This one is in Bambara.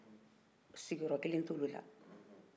sigin yɔrɔ kelen t'olu la